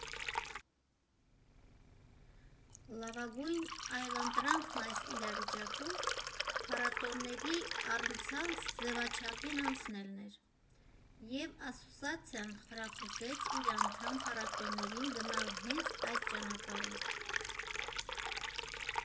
Լավագույն այլընտրանքն այս իրավիճակում փառատոների առցանց ձևաչափին անցնելն էր, և ասոցիացիան խրախուսեց իր անդամ փառատոներին գնալ հենց այդ ճանապարհով։